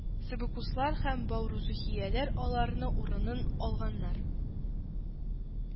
Себекуслар һәм баурузухияләр аларны урынын алганнар